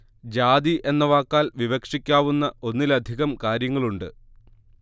ജാതി എന്ന വാക്കാൽ വിവക്ഷിക്കാവുന്ന ഒന്നിലധികം കാര്യങ്ങളുണ്ട്